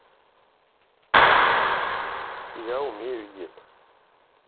я умею есть